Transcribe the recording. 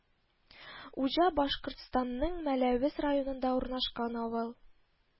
Уҗа Башкортстанның Мәләвез районында урнашкан авыл